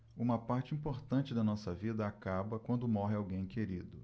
uma parte importante da nossa vida acaba quando morre alguém querido